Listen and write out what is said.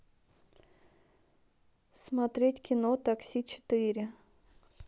смотреть кино такси четыре